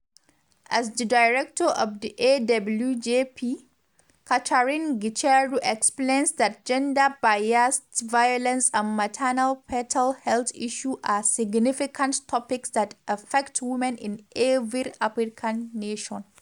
As the director of the AWJP, Catherine Gicheru explains that gender-based violence and maternal-fetal health issues are significant topics that affect women in every African nation.